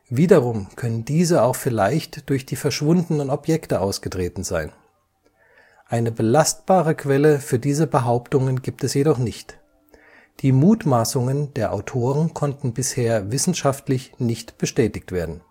Wiederum können diese auch vielleicht durch die verschwundenen Objekte ausgetreten sein. Eine belastbare Quelle für diese Behauptungen gibt es jedoch nicht. Die Mutmaßungen der Autoren konnten bisher wissenschaftlich nicht bestätigt werden